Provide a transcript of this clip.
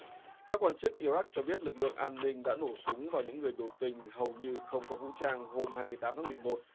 các quan chức i rắc cho biết lực lượng an ninh đã nổ súng vào những người biểu tình hầu như không có vũ trang hôm hai mươi tám tháng mười một